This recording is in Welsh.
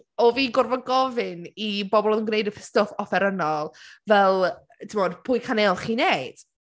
O' fi’n gorfod gofyn i bobl oedd yn gwneud y stwff offerynnol fel timod, pwy caneuon chi’n wneud.